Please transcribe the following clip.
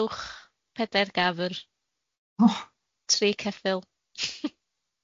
Tair buwch, pedair gafr, tri ceffyl.